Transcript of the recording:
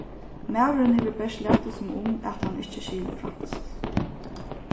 maðurin hevur bert latið sum um at hann ikki skilir franskt